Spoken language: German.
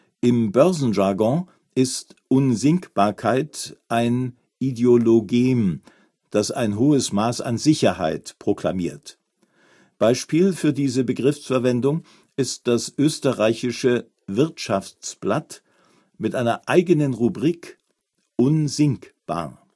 Im Börsenjargon ist Unsinkbarkeit ein Ideologem, das ein hohes Maß an Sicherheit proklamiert. Beispiel für diese Begriffsverwendung ist das österreichische Wirtschaftsblatt mit einer eigenen Rubrik „ Unsinkbar